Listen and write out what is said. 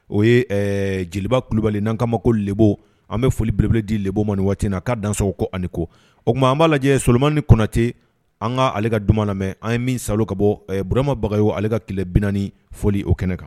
O ye ɛɛ Jeliba Kulibali n'a k'a ma ko le beau an bɛ foli belebele di le beau ma ni waati in na k'a dansɔkɔ ko ani ko. O tuma an b'a lajɛ Solomani Konatɛ an ka ale ka duman lamɛ an ye min salo ka bɔ Burama Bagayogo ale ka tile 40 foli o kɛnɛ kan